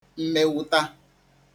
mmewụta